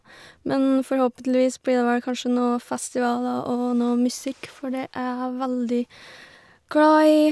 Men forhåpentligvis blir det vel kanskje noe festivaler og noe musikk, for det er jeg veldig glad i.